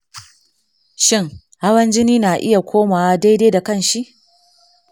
shin hawan jini na iya komawa daidai da kanshi?